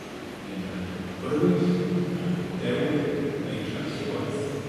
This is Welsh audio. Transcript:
neu'n rhai byrbwyll, yn rhai dewr neu'n rhai llywaeth?